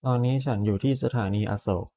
ตอนนี้ฉันอยู่ที่สถานีอโศก